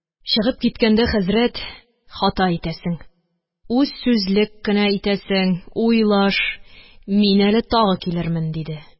Чыгып киткәндә, хәзрәт: – Хата итәсең, хата итәсең, үзсүзлек кенә итәсең, уйлаш, мин әле тагы килермен, – диде.